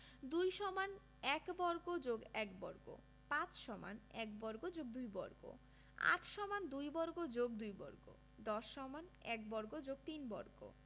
২ = ১ বর্গ + ১ বর্গ ৫ = ১ বর্গ + ২ বর্গ ৮ = ২ বর্গ + ২ বর্গ ১০ = ১ বর্গ + ৩ বর্গ